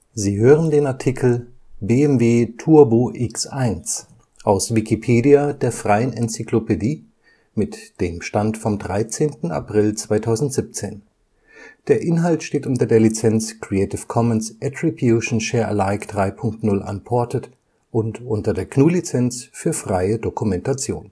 Sie hören den Artikel BMW Turbo X1, aus Wikipedia, der freien Enzyklopädie. Mit dem Stand vom Der Inhalt steht unter der Lizenz Creative Commons Attribution Share Alike 3 Punkt 0 Unported und unter der GNU Lizenz für freie Dokumentation